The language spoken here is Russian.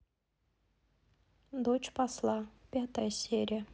дочь посла пятая серия